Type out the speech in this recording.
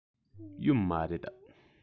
ཡོད མ རེད